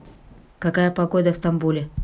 какая погода в стамбуле